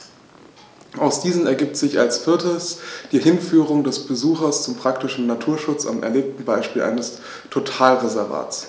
Aus diesen ergibt sich als viertes die Hinführung des Besuchers zum praktischen Naturschutz am erlebten Beispiel eines Totalreservats.